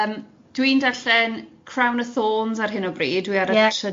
O'dd yym dwi'n darllen Crown of Thornes ar hyn o bryd, dwi ar y... Ie